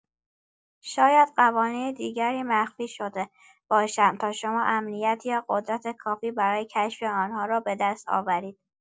شاید قوانین دیگری مخفی شده باشند تا شما امنیت یا قدرت کافی برای کشف آن‌ها را به دست آورید.